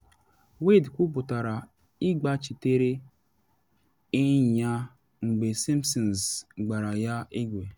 Wayde kwụpụtara ịgbachitere enyi ya mgbe Simpson gbara ya egbe.